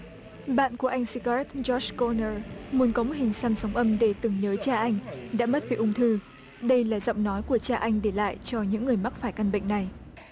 bạn của anh si cát dót cô nờ vừa có một hình xăm sóng âm để tưởng nhớ cha anh đã mất vì ung thư đây là giọng nói của cha anh để lại cho những người mắc phải căn bệnh này